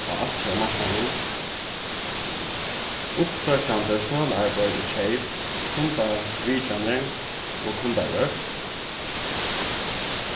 á altjóða marknaðinum uppsøkjandi søluarbeiði og keyp kundavitjanir og kundarøkt